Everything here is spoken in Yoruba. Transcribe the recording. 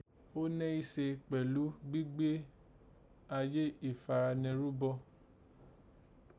Ó nẹ́ í se kpẹ̀lú gbígbé ìgbé ayé ìfaranẹ rúbọ